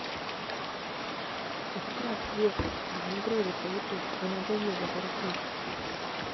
отправь весточку не грузится youtube вы надоели барахлить